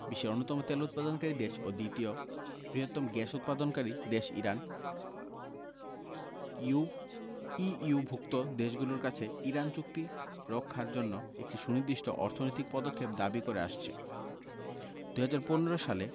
বিশ্বের অন্যতম তেল উৎপাদনকারী দেশ ও দ্বিতীয় বৃহত্তম গ্যাস উৎপাদনকারী দেশ ইরান ইউ ইইউভুক্ত দেশগুলোর কাছে ইরান চুক্তি রক্ষার জন্য একটি সুনির্দিষ্ট অর্থনৈতিক পদক্ষেপ দাবি করে আসছে ২০১৫ সালে